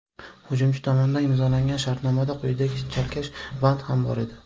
hujumchi tomonidan imzolangan shartnomada quyidagi chalkash band ham bor edi